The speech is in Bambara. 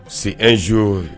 c'est un jour